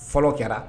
Fɔlɔ kɛra